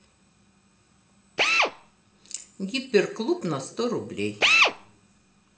гипер клуб на сто рублей